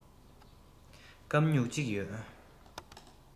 སྐམ སྨྱུག གཅིག ཡོད